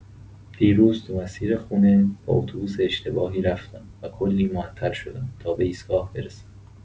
دیروز تو مسیر خونه با اتوبوس اشتباهی رفتم و کلی معطل شدم تا به ایستگاه برسم.